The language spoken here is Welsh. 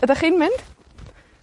Ydach chi'n mynd?